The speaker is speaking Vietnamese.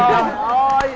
ời ơi